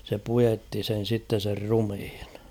se puetti sen sitten sen ruumiin